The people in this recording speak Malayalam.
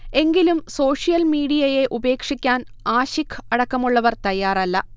എങ്കിലും സോഷ്യൽ മീഡിയയെ ഉപേക്ഷിക്കാൻ ആശിഖ് അടക്കമുള്ളവർ തയ്യാറല്ല